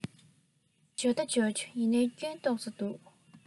འབྱོར ད འབྱོར བྱུང ཡིན ནའི སྐྱོན ཏོག ཙམ འདུག